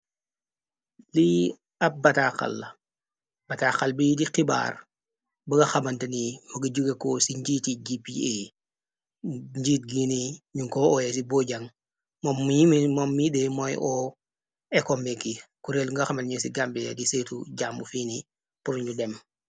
Lii ab bataxalla bataaxal bi di xibaar baga xamante ni magi jógekoo ci njiit yi gpa njiit gi ni ñu ko oyé ci bojaŋg moom mi moom mi de mooy oo ekoméki kureel nga xamal ño ci gambia di seetu jammu fiini puru ñu dem.